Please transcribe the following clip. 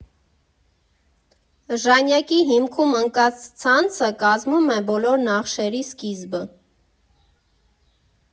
Ժանյակի հիմքում ընկած ցանցը կազմում է բոլոր նախշերի սկիզբը։